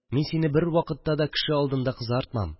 Мин сине бервакытта да кеше алдында кызартмам